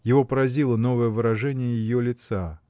Его поразило новое выражение ее лица.